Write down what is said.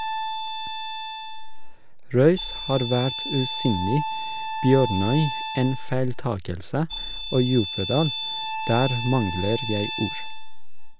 Røys har vært usynlig, Bjørnøy en feiltakelse og Djupedal - der mangler jeg ord.